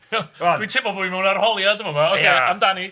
Dwi'n teimlo bo' fi mewn arholiad yn fa'ma. Ocê, amdani.